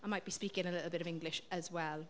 I might be speaking a little bit of English as well.